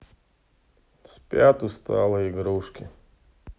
спят усталые игрушки